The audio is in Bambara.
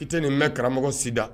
I tɛ nin mɛn karamɔgɔ si da.